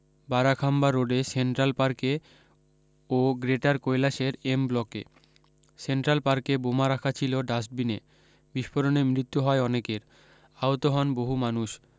বারাখাম্বা রোডে সেন্ট্রাল পার্কে ও গ্রেটার কৈলাসের এম ব্লকে সেন্ট্রাল পার্কে বোমা রাখা ছিল ডাস্ট বিনে বিস্ফোরণে মৃত্যু হয় অনেকের আহত হন বহু মানুষ